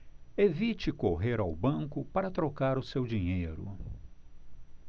evite correr ao banco para trocar o seu dinheiro